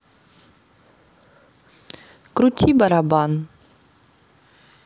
крути барабан